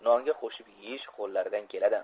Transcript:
nonga qo'shib yeyish qo'llaridan keladi